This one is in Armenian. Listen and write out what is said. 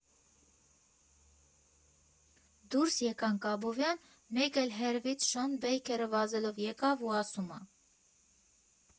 Դուրս եկանք Աբովյան, մեկ էլ հեռվից Շոն Բեյքերը վազելով եկավ ու ասում ա.